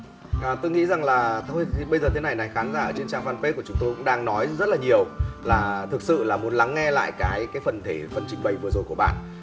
ờ tôi nghĩ rằng là thôi thế bây giờ thế này này khán giả ở trên trang phan bết của chúng tôi cũng đang nói rất là nhiều là thực sự là muốn lắng nghe lại cái cái phần thể phần trình bày vừa rồi của bạn